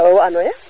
wo anoye